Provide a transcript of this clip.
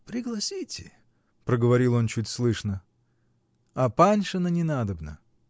-- Пригласите, -- проговорил он чуть слышно. -- А Паншина не надобно?